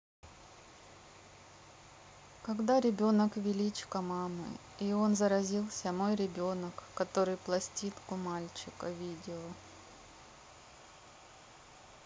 когда ребенок величко мамы и он заразился мой ребенок который пластинку мальчика видео